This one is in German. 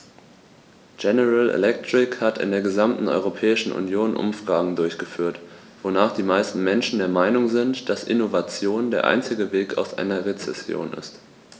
General Electric hat in der gesamten Europäischen Union Umfragen durchgeführt, wonach die meisten Menschen der Meinung sind, dass Innovation der einzige Weg aus einer Rezession ist.